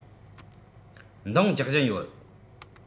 འདང རྒྱག བཞིན ཡོད